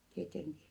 tietenkin